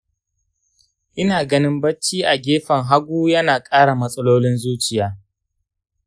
ina ganin bacci a gefen hagu yana ƙara matsalolin zuciya.